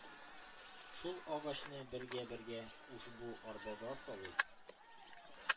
Шул агачны бергә-бергә ушбу арбага салыйк.